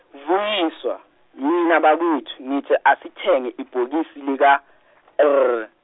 Vuyiswa, mina bakwethu ngithi asithenge ibhokisi lika R.